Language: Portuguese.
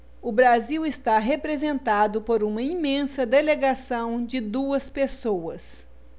o brasil está representado por uma imensa delegação de duas pessoas